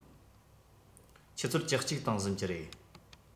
ཆུ ཚོད བཅུ གཅིག སྟེང གཟིམ གྱི རེད